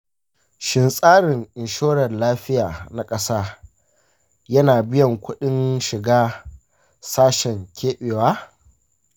shin tsarin inshorar lafiya na ƙasa yana biyan kuɗin shigar sashen keɓewa ?